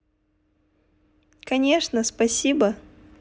конечно спасибо